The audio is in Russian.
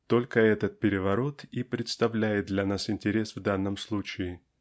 Только этот переворот и представляет для нас интерес в данном случае.